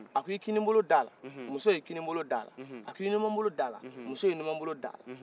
a ko i kini bolo d'ala muso y'i kini bolo da la a k'i numa bolo dala muso y'i numa bolo da la